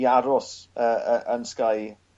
i aros yy yy yn Sky